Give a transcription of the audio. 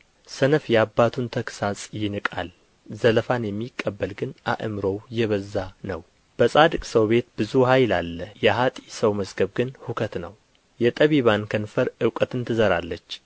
ሰነፍ የአባቱን ተግሣጽ ይንቃል ዘለፋን የሚቀበል ግን አእምሮው የበዛ ነው በጻድቅ ሰው ቤት ብዙ ኃይል አለ የኃጥእ ሰው መዝገብ ግን ሁከት ነው የጠቢባን ከንፈር እውቀትን ትዘራለች